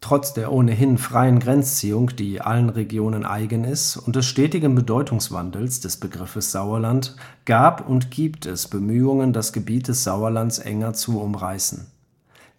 Trotz der ohnehin freien Grenzziehung, die allen Regionen eigen ist, und des stetigen Bedeutungswandels des Begriffs Sauerland gab und gibt es Bemühungen, das Gebiet des Sauerlands enger zu umreißen.